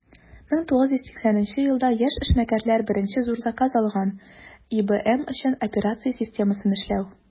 1980 елда яшь эшмәкәрләр беренче зур заказ алган - ibm өчен операция системасын эшләү.